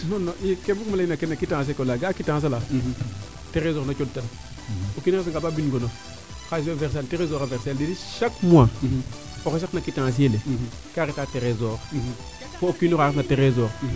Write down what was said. non non kee ke bug uma ley no kene na quittance ale o leya ga' aa quittance alaa tresor a cooxtan o kina xesa nga ba bin gonof xalis fee o versser an tresor a verser el ndeeti chaque mois oxe saq na a quittance yeele ka reta tresor fo o kiinoxa refna tresor